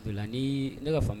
Ola ni ne ka faamu